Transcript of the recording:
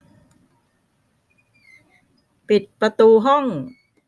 ปิดประตูห้อง